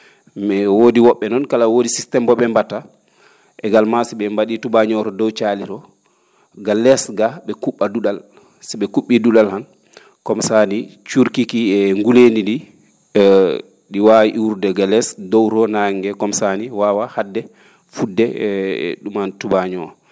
mais woodi wo??e noon kala woodi systéme mbo ?e mbatta également si ?e mba?ii tubaañoo o dow caali ga less gaa ?e ku??a du?al si ?e ku??ii du?al han comme nii cuurki kii e nguleendi ndii ?i waawi iwrude ga less dow roo naannge ngee comme nii waawa ha?de fu?de e ?uman tubaañoo o